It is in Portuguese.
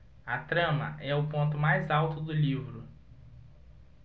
a trama é o ponto mais alto do livro